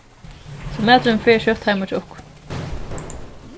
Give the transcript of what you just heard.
so maturin fer skjótt heima hjá okkum